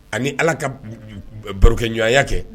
Ani ala ka barokɛɲɔgɔnya kɛ